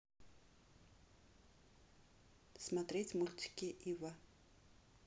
смотреть мультики ива